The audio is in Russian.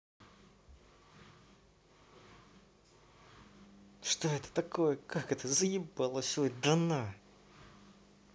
что такое как это заебалась ой да на